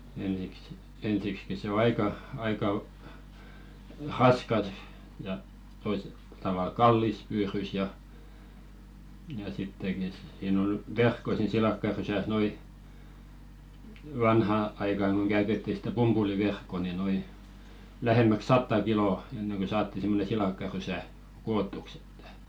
ensiksi ensiksikin se on aika aika raskas ja - tavalla kallis pyydys ja ja sittenkin siinä oli verkko siinä silakkarysässä ne oli vanhaan aikaan kun käytettiin sitä pumpuliverkkoa niin nuo lähemmäksi sataa kiloa ennen kuin saatiin semmoinen silakkarysä kootuksi että